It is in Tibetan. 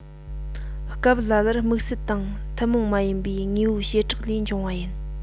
སྐབས ལ ལར དམིགས བསལ དང ཐུན མོང མ ཡིན པའི དངོས པོའི བྱེ བྲག འབྱུང བ ཡིན